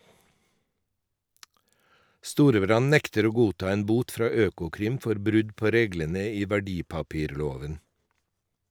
Storebrand nekter å godta en bot fra Økokrim for brudd på reglene i verdipapirloven.